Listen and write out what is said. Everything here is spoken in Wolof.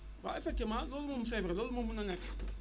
waaw effectivement loolu moom c' est vrai loolu moom mën na nekk